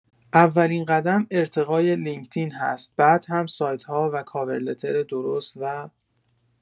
اولین قدم ارتقای لینکدین هست بعد هم سایت‌ها و کاورلتر درست و..